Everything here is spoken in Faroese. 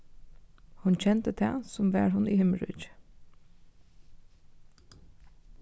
hon kendi tað sum var hon í himmiríki